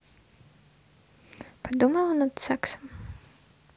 подумала над сексом